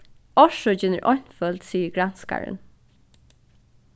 orsøkin er einføld sigur granskarin